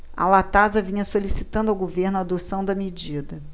a latasa vinha solicitando ao governo a adoção da medida